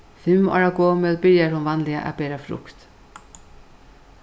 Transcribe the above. fimm ára gomul byrjar hon vanliga at bera frukt